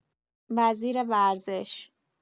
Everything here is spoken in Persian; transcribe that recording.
وزیر ورزش